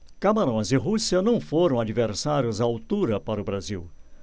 camarões e rússia não foram adversários à altura para o brasil